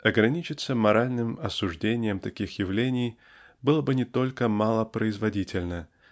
Ограничиться моральным осуждением таких явлений было бы не только малопроизводительно